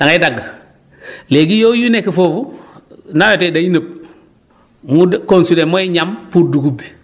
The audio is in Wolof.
da ngay dagg léegi yooyu nekk foofu nawetee day nëb mu de constituer mooy ñam pour dugub bi